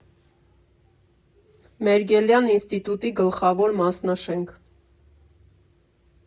«Մերգելյան» ինստիտուտի գլխավոր մասնաշենք։